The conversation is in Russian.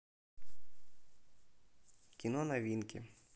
кино новинки